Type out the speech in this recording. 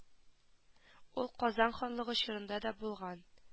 Ул казан ханлыгы чорында да булган